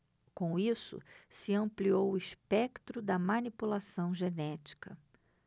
com isso se ampliou o espectro da manipulação genética